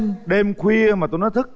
đêm khuya mà tụi nó thức